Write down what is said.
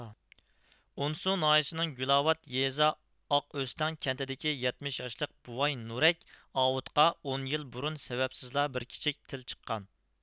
ئونسۇ ناھىيىسىنىڭ گۈلاۋات يېزا ئاقئۆستەڭ كەنتىدىكى يەتمىش ياشلىق بوۋاي نۇرەك ئاۋۇتقا ئون يىل بۇرۇن سەۋەبسىزلا بىر كىچىك تىل چىققان